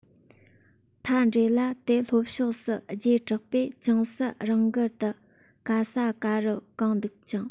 མཐའ འབྲས ལ དེ ལྷོ ཕྱོགས སུ རྒྱས དྲགས པས ཅུང ཟད རང དགར དུ ག ས ག རུ གང འདུག ཅིང